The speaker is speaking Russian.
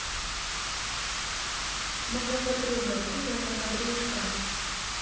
моя подруга ты моя подружка